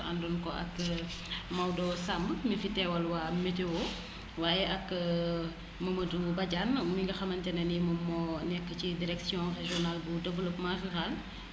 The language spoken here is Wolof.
)ndoon ko ak Maodo Samb mi fi teewal waa météo waaye ak Momadou Badiane mi nga xamante ne nii moom moo nekk ci direction régional bu développement rural